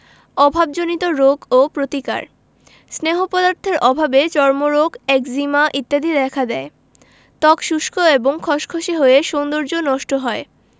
অভাবজনিত রোগ ও প্রতিকার স্নেহ পদার্থের অভাবে চর্মরোগ একজিমা ইত্যাদি দেখা দেয় ত্বক শুষ্ক এবং খসখসে হয়ে সৌন্দর্য নষ্ট হয়